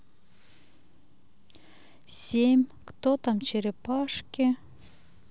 семь кто там черепашки